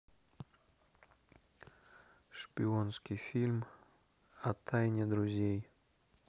шпионский фильм о тайне друзей